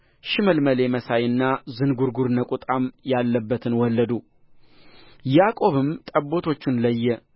ሽመልመሌ መሳይና ዝንጕርጕር ነቍጣም ያለበቱን ወለዱ ያዕቆብም ጠቦቶቹን ለየ